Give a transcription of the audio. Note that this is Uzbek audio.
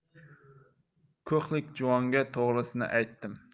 ko'hlik juvonga to'g'risini aytdim